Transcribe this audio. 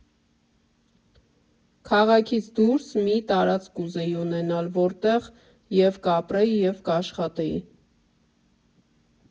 Քաղաքից դուրս մի տարածք կուզեի ունենալ, որտեղ և՛ կապրեի, և՛ կաշխատեի։